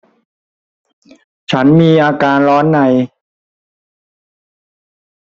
ฉันมีอาการร้อนใน